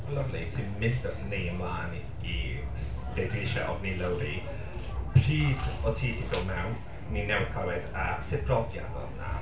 Lyfli. Sy'n mynd a ni mlân i s- be dwi isie ofyn i Lowri. Pryd o't ti 'di dod mewn? Ni newydd clywed a sut brofiad oedd hwnna?